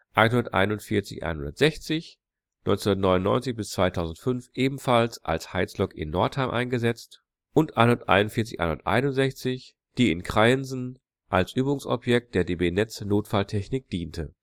141 160, 1999 bis 2005 ebenfalls als Heizlok in Northeim eingesetzt und 141 161, die in Kreiensen als Übungsobjekt für DB Netz Notfalltechnik diente